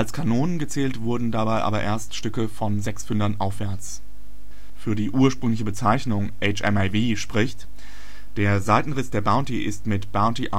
Kanonen gezählt wurden dabei aber erst Stücke vom Sechspfünder aufwärts. Für die ursprüngliche Bezeichnung HMAV spricht: Der Seitenriss der Bounty ist mit Bounty